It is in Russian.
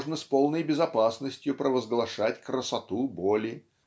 можно с полной безопасностью провозглашать красоту боли